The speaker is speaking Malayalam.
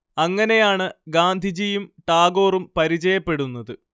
അങ്ങനെയാണ് ഗാന്ധിജിയും ടാഗോറും പരിചയപ്പെടുന്നത്